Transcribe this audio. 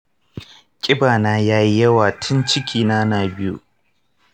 ƙiba na yayi yawa tin cikina na biyu